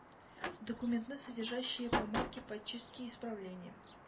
Документны содержащие помарки подчистки исправления